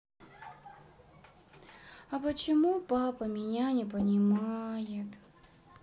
а почему папа меня не понимает